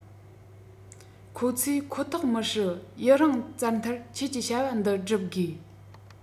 ཁོ ཚོས ཁོ ཐག མི སྲིད ཡུན རིང བཙལ མཐར ཁྱོད ཀྱིས བྱ བ འདི བསྒྲུབ དགོས